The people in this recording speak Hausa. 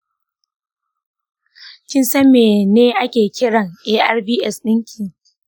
kinsan mene ake kiran arvs dinki?